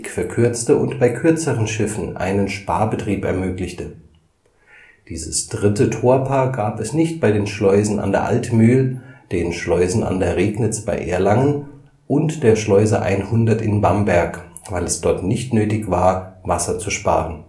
verkürzte und bei kürzeren Schiffen einen Sparbetrieb ermöglichte. Dieses dritte Torpaar gab es nicht bei den Schleusen an der Altmühl, den Schleusen an der Regnitz bei Erlangen und der Schleuse 100 in Bamberg, weil es dort nicht nötig war, Wasser zu sparen